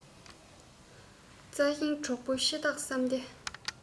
བརྩེ ཞིང འགྲོགས པའི ཕྱི ཐག བསམ སྟེ